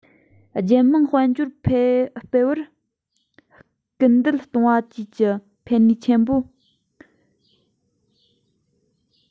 རྒྱལ དམངས དཔལ འབྱོར སྤེལ བར སྐུལ འདེད གཏོང བ བཅས ཀྱི ཐད ལ ནུས པ གལ ཆེན ཐོན ཡོད